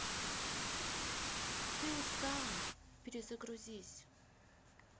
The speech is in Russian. ты устала перезагрузись